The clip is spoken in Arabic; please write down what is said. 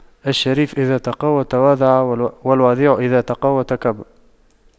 الشريف إذا تَقَوَّى تواضع والوضيع إذا تَقَوَّى تكبر